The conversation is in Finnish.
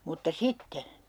mutta sitten